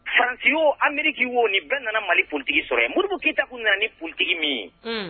Faransi o y'o Ameriki o ,nin bɛɛ nana Mali politiki sɔrɔ yan. Modibo Keyita tun nana ni politiki min ye, un.